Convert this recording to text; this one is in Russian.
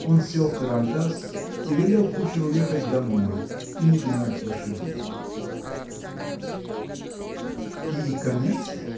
Он сел в тарантас и велел кучеру ехать домой и не гнать лошадей. ------ "И конец?